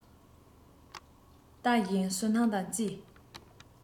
ལྟ བཞིན སུན སྣང དང བཅས